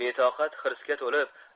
betoqat hirsga to'lib